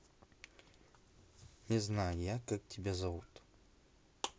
не знаю я как тебя зовут